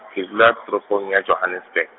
ke dula toropong ya Johannesburg.